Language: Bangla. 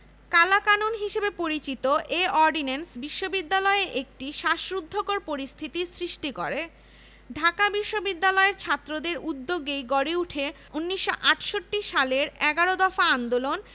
স্বাধীন বাংলাদেশের অভ্যুদয়ে ঢাকা বিশ্ববিদ্যালয়ে নতুন প্রাণের সঞ্চার হয় মুক্তবুদ্ধি চর্চা ও জ্ঞান অর্জনের ক্ষেত্রে সৃষ্টি হয় নতুন দিগন্তের